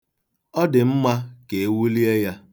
Ọ dị mma ka e wulie ya.